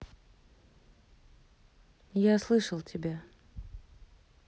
я слышал тебя